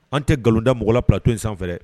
An tɛ nkalonda mɔgɔla pato in sanfɛ